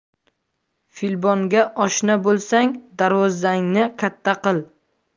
filbonga oshna bo'lsang darvozangni katta qil